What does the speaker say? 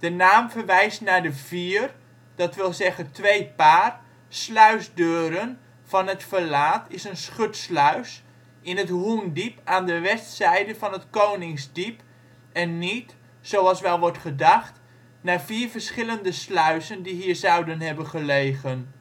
naam verwijst naar de vier (dat wil zeggen twee paar) sluisdeuren van het verlaat (= schutsluis) in het Hoendiep aan de westzijde van het Koningsdiep en niet, zoals wel wordt gedacht, naar vier verschillende sluizen die hier zouden hebben gelegen